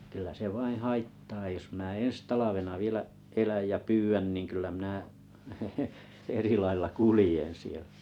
kyllä se vain haittaa jos minä ensi talvena vielä elän ja pyydän niin kyllä minä eri lailla kuljen siellä